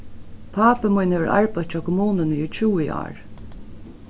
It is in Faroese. pápi mín hevur arbeitt hjá kommununi í tjúgu ár